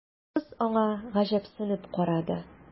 Кыз аңа гаҗәпсенеп карады.